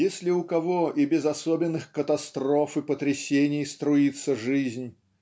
Если у кого и без особенных катастроф и потрясений струится жизнь